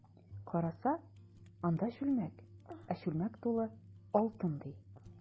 Караса, анда— чүлмәк, ә чүлмәк тулы алтын, ди.